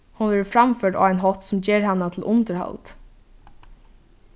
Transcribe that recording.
hon verður framførd á ein hátt sum ger hana til undirhald